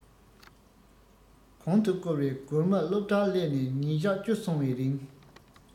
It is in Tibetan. གོང དུ བསྐུར བའི སྒོར མ སློབ གྲྭར སླེབས ནས ཉིན གཞག བཅུ སོང བའི རིང